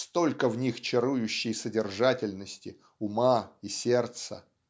столько в них чарующей содержательности, ума и сердца.